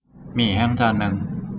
หมี่แห้งจานนึง